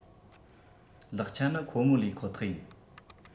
ལེགས ཆ ནི ཁོ མོ ལས ཁོ ཐག ཡིན